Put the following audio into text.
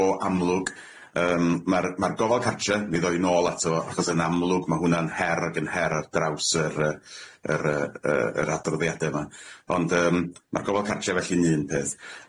O amlwg yym ma'r ma'r gofal cartre ni ddoi nôl ato fo achos yn amlwg ma' hwnna'n her ag yn her ar draws yr yy yr yy yy yr adroddiade 'ma, ond yym ma'r gofal cartre felly'n un peth.